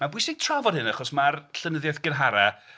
Mae'n bwysig trafod hyn achos mae'r llenyddiaeth gynharaf...